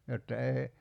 jotta ei